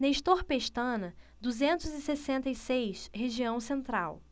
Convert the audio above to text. nestor pestana duzentos e sessenta e seis região central